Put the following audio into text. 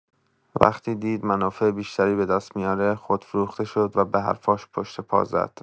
وقتی دید منافع بیشتری به دست میاره، خودفروخته شد و به حرفاش پشت پا زد.